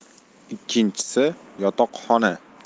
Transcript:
ikkinchisi yotoqxona